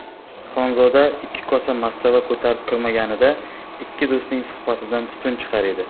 xonzoda ikki kosada mastava ko'tarib kirmaganida ikki do'stning suhbatidan tutun chiqar edi